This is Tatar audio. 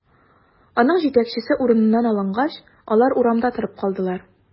Аның җитәкчесе урыныннан алынгач, алар урамда торып калдылар.